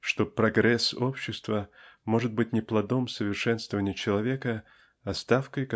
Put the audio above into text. что "прогресс" общества может быть не плодом совершенствования человека а ставкой